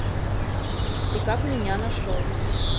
ты как меня нашел